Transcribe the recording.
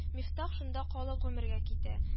Мифтах шунда калып гомергә китә